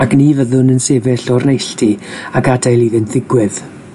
ac ni fyddwn yn sefyll o'r neilltu a gadael iddynt ddigwydd.